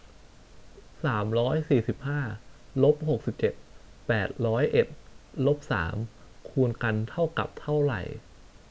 สามร้อยสี่สิบห้าลบหกสิบเจ็ดแปดร้อยเอ็ดลบสามคูณกันเท่ากับเท่าไหร่